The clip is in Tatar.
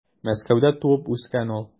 Мәскәүдә туып үскән ул.